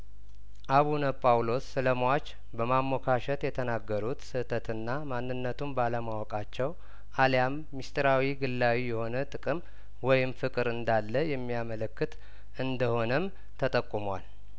አቡነ ጳውሎስ ስለሟች በማሞካሸት የተናገሩት ስህተትና ማንነቱን ባለማወቃቸው አልያምምስጢራዊ ግላዊ የሆነ ጥቅም ወይም ፍቅር እንዳለየሚ ያመለክት እንደሆነም ተጠቁሟል